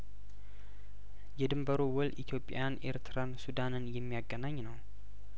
የድንበሩ ውል ኢትዮጵያን ኤርትራን ሱዳንን የሚያገናኝ ነው